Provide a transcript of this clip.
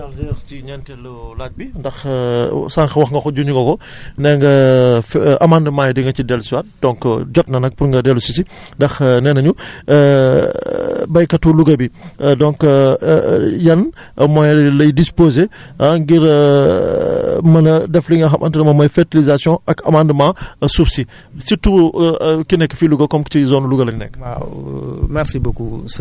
mën nañu jàll d' ailleur ci ñeenteelu laaj bi ndax sànq wax nga ko junj nga ko nee nga fe amandement yi di nga ci dellusiwaat donc jot na nag pour nga dellu si si ndax nee nañu baykatu Louga bi donc yan moyens lay disposer ã ngir mën a def li nga xamante ne moom mooy fertilisation ak amandement suuf si surtout ki nekk fii Louga comme que si zoonu Louga bi lañ nekk